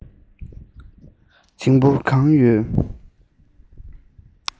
སྙིང པོ གང ཡོད